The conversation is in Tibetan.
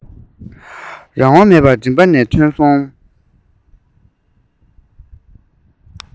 མེད པར མགྲིན པ ནས ཐོན སོང